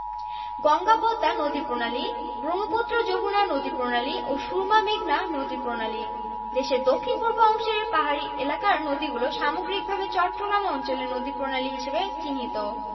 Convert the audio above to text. বগুড়া শহর থেকে প্রায় ১২ কিলোমিটার উত্তরে বগুড়া সদর ও শিবগঞ্জ উভয় উপজেলায় আংশিকভাবে অন্তর্ভুক্ত ভাসু বিহার বগুড়া জেলার শিবগঞ্জ উপজেলার বিহার ইউনিয়নের অন্তর্ভুক্ত বিহার গ্রামের উত্তর দিকে